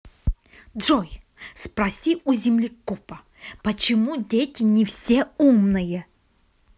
джой спроси у землекопа почему дети не все умные